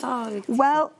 O . Wel